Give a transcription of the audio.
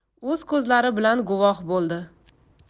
o'z ko'zlari bilan guvoh bo'ldi